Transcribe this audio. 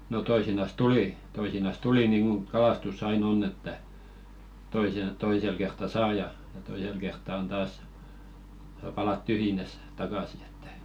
no toisinaan tuli toisinaan tuli niin kuin kalastus aina on että - toisella kertaa saa ja ja toisella kertaa on taas saa palata tyhjinään takaisin että